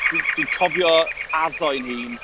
Dwi dwi'n cofio addo i'n hun...